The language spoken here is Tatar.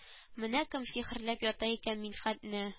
Менә кем сихерләп ята икән минхәтне